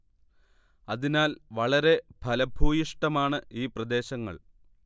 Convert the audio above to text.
അതിനാൽ വളരെ ഫലഭൂയിഷ്ടമാണ് ഈ പ്രദേശങ്ങൾ